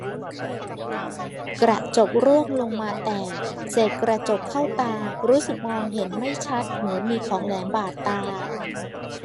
กระจกร่วงลงมาแตกเศษกระจกเข้าตารู้สึกมองเห็นไม่ชัดเหมือนมีของแหลมบาดตา